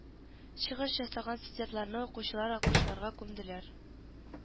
Чыгыш ясаган студентларны укучылар алкышларга күмделәр